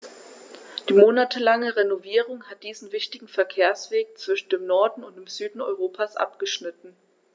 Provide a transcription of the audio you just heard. Die monatelange Renovierung hat diesen wichtigen Verkehrsweg zwischen dem Norden und dem Süden Europas abgeschnitten.